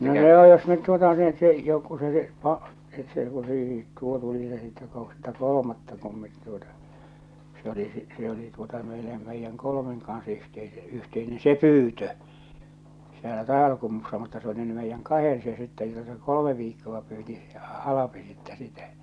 no joo jos nyt tuota ne jo kun se se että se tuli tuo tuli se sitten kohta kolmatta kun me tuota se oli - se oli tuota meille meidän kolmen kanssa - yhteinen se pyytö siellä Taivalkummussa mutta se oli nyt meidän kahden se sitten jota se kolme viikkoa pyysi se Alpi sitten sitä